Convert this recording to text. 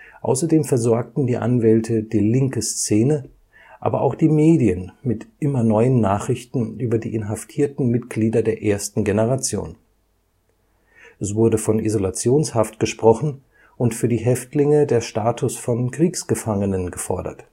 Außerdem versorgten die Anwälte die linke Szene, aber auch die Medien, mit immer neuen Nachrichten über die inhaftierten Mitglieder der ersten Generation. Es wurde von Isolationshaft gesprochen und für die Häftlinge der Status von Kriegsgefangenen gefordert